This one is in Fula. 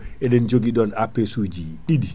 eɗen joogui ɗon APS suji ɗiɗi